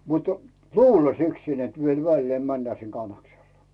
mutta luullakseni niin että vielä väleen mennään sinne Kannakselle